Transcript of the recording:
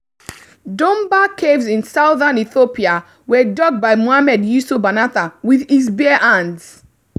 Dunbar caves in southern Ethiopia were dug by Mohammed Yiso Banatah with his bare hands.